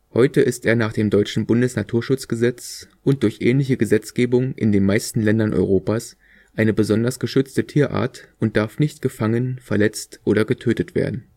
Heute ist er nach dem deutschen Bundesnaturschutzgesetz − und durch ähnliche Gesetzgebung in den meisten Ländern Europas – eine besonders geschützte Tierart und darf nicht gefangen, verletzt oder getötet werden